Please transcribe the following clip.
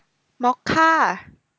มอคค่า